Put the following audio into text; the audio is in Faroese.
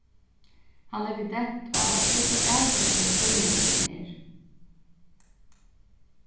hann leggur dent á hvussu avbyrgdur býlingurin er